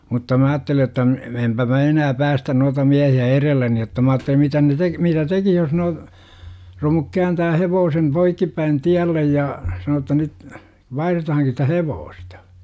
mutta minä ajattelin jotta - enpä minä enää päästä noita miehiä edelleni jotta minä ajattelin mitä ne - mitä tekisi jos - romu kääntää hevosen poikkipäin tielle ja sanoo jotta nyt vaihdetaankin sitä hevosta